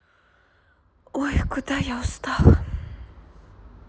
ой куда я устал